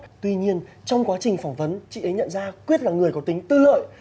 tuy nhiên trong quá trình phỏng vấn chị ấy nhận ra quyết là một người có tính tư lợi